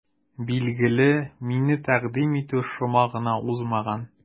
Билгеле, мине тәкъдим итү шома гына узмаган.